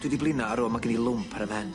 dwi di blino ar rwan ma' gen i lwmp ar ym mhen.